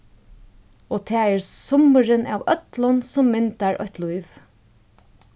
og tað er summurin av øllum sum myndar eitt lív